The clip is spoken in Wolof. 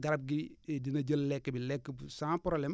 garab gi dina jël lekk bi lekk sans problème